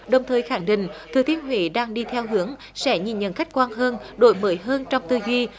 đồng thời khẳng định thừa thiên huế đang đi theo hướng sẽ nhìn nhận khách quan hơn đổi mới hơn trong tư duy